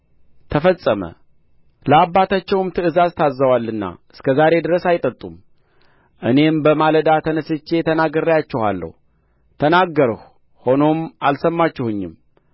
ተፈጸመ ለአባታቸውም ትእዛዝ ታዝዘዋልና እስከ ዛሬ ድረስ አይጠጡም እኔም በማለዳ ተነሥቼ ተናግሬአችኋለሁ ተናገርሁ ሆኖም አልሰማችሁኝም